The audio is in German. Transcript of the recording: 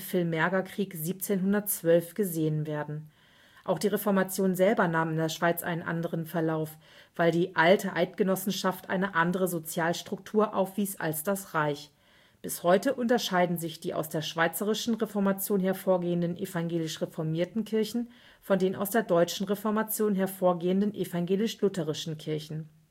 Villmergerkrieg 1712 gesehen werden. Auch die Reformation selber nahm in der Schweiz einen anderen Verlauf, weil die Alte Eidgenossenschaft eine andere Sozialstruktur aufwies als das Reich. Bis heute unterscheiden sich die aus der schweizerischen Reformation hervorgehenden evangelisch-reformierten Kirchen von den aus der deutschen Reformation hervorgehenden evangelisch-lutherischen Kirchen